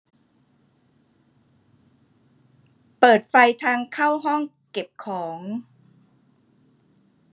เปิดไฟทางเข้าห้องเก็บของ